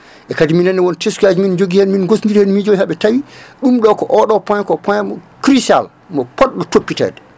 e kadi minenne won teskuyaji min jogui hen min gostodiri hen miijoji haɓe tawi ɗum ɗo ko oɗo point point crucial :framo poɗɗo toppitede